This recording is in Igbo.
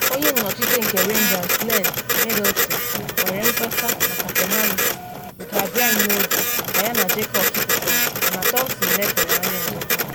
Onye nnọchite nke Rangers Glenn Middleton nwere mkpesa maka penaliti nke abịaghị n’oge ka ya na Jacobs kụkọrọ mana Thomson lefere anya ọzọkwa.